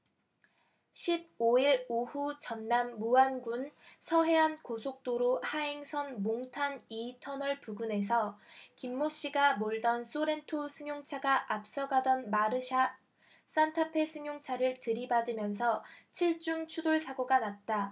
십 오 일 오후 전남 무안군 서해안고속도로 하행선 몽탄 이 터널 부근에서 김모씨가 몰던 쏘렌토 승용차가 앞서 가던 마르샤 싼타페 승용차를 들이받으면서 칠 중 추돌사고가 났다